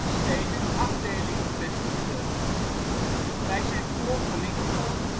steden afdelingen vestigde. Bij zijn volgelingen gold